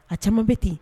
A caman bɛ ten yen